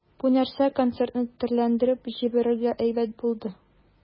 Бу нәрсә концертны төрләндереп җибәрергә әйбәт булды.